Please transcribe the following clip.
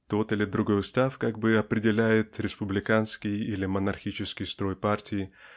Тот или другой устав как бы определяет республиканский или монархический строй партии